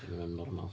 Ma' hynna'n normal.